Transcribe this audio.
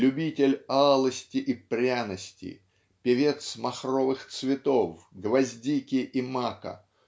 любитель алости и пряности певец махровых цветов гвоздики и мака